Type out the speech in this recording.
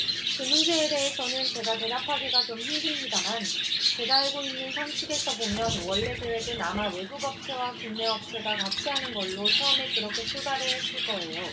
그 문제에 대해서는 제가 대답하기가 좀 힘듭니다만 제가 알고 있는 상식에서 보면 원래 계획은 아마 외국 업체와 국내 업체가 같이 하는 걸로 처음에 그렇게 출발을 했을 거예요